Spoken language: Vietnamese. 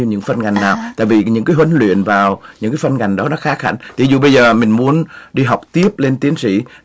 những phân ngành nào tại vì những huấn luyện vào những phân cảnh đó nó khác hẳn thí dụ bây giờ mình muốn đi học tiếp lên tiến sĩ